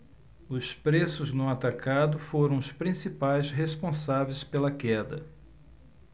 os preços no atacado foram os principais responsáveis pela queda